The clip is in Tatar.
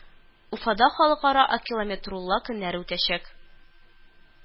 Уфада Халыкара Акилометрулла көннәре үтәчәк